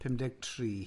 Pumdeg tri.